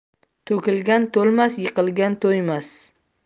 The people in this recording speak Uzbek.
to'kilgan to'lmas yiqilgan to'ymas